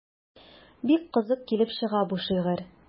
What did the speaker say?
Бик кызык килеп чыга бу шигырь.